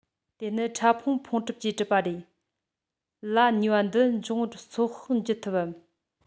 དེ ནི ཕྲ ཕུང ཕུང གྲུབ ཀྱིས གྲུབ པ རེད ལ ནུས པ འདི འབྱུང ཐུབ པར ཚོད དཔག བགྱི ཐུབ བམ